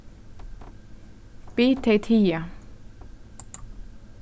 bið tey tiga